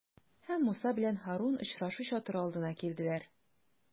Һәм Муса белән Һарун очрашу чатыры алдына килделәр.